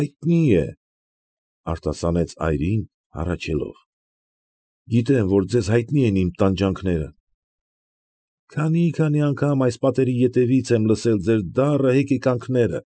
Հայտնի է, ֊ արտասանեց այրին, հառաչելով։ ֊ Գիտեմ, որ ձեզ հայտնի են իմ տանջանքները։ ֊ Քանի՛֊քանի անգամ այս պատերի ետևից ես լսել եմ ձեր դառը հեկեկանքները։